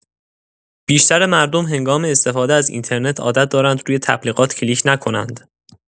بیشتر مردم هنگام استفاده از اینترنت عادت دارند روی تبلیغات کلیک نکنند.